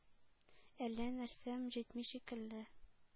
Әллә нәрсәм җитми шикелле.